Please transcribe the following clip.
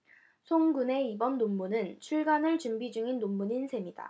송 군의 이번 논문은 출간을 준비 중인 논문인 셈이다